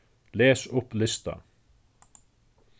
les upp lista